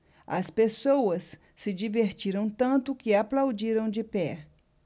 as pessoas se divertiram tanto que aplaudiram de pé